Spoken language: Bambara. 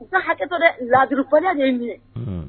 N hakɛ laaurufɔ de ye